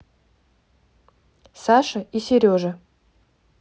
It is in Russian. саша и сережа